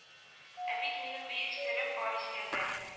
Ә бит минем бөек серем бар искәндәр